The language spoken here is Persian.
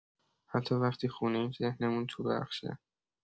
حتی وقتی خونه‌ایم، ذهنمون تو بخشه.